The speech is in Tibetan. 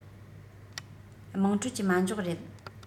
དམངས ཁྲོད ཀྱི མ འཇོག རེད